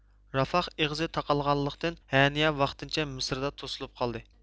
رافاخ ئېغىزى تاقالغانلىقتىن ھەنىيە ۋاقتىنچە مىسىردا توسۇلۇپ قالدى